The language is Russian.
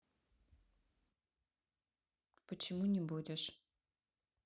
почему не будешь